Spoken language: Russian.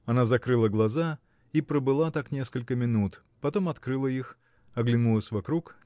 Она закрыла глаза и пробыла так несколько минут потом открыла их оглянулась вокруг